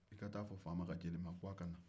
i ka ta'a fɔ faama ka jeli ma k'a ka na